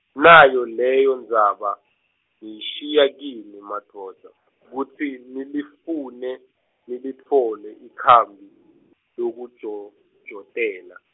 nayo leyo Ndzaba, ngiyishiya kini madvodza, kutsi nilifune, nilitfole likhambi, lekujojotela.